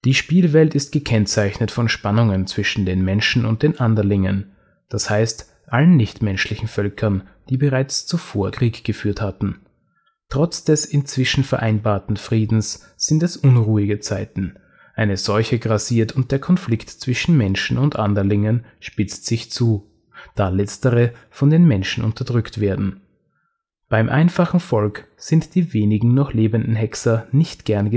Spielwelt ist gekennzeichnet von Spannungen zwischen den Menschen und den Anderlingen, d. h. allen nichtmenschlichen Völkern, die bereits zuvor zum Krieg geführt hatten. Trotz des inzwischen vereinbarten Friedens sind es unruhige Zeiten, eine Seuche grassiert und der Konflikt zwischen Menschen und Anderlingen spitzt sich zu, da letztere von den Menschen unterdrückt werden. Beim einfachen Volk sind die wenigen noch lebenden Hexer nicht gerne gesehen